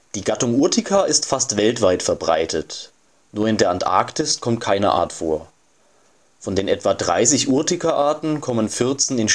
Gattung Urtica ist fast weltweit verbreitet. Nur in der Antarktis kommt keine Art vor. Von den etwa 30 Urtica-Arten kommen 14